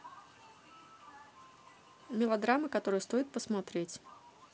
мелодрамы которые стоит посмотреть